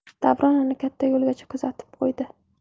davron uni katta yo'lgacha kuzatib qo'ydi